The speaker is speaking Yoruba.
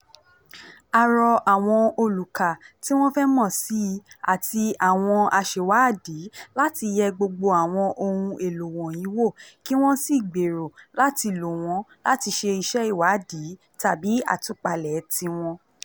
A rọ àwọn olùkà tí wọ́n fẹ́ mọ̀ síi àti àwọn aṣèwádìí láti yẹ gbogbo àwọn ohun-èlò wọ̀nyìí wò kí wọ́n sì gbèrò láti lò wọ́n láti ṣe iṣẹ́ ìwádìí tàbí àtúpalẹ̀ tiwọn.